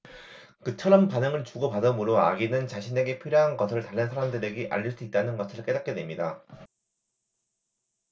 그처럼 반응을 주고받음으로 아기는 자신에게 필요한 것을 다른 사람들에게 알릴 수 있다는 것을 깨닫게 됩니다